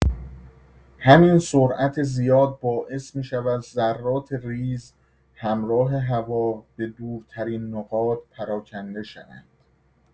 همین سرعت زیاد باعث می‌شود ذرات ریز همراه هوا به دورترین نقاط پراکنده شوند.